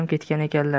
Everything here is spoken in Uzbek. ketgan ekanlar